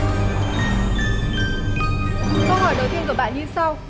câu hỏi đầu tiên của bạn như sau